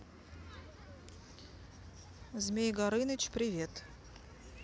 змей горыныч привет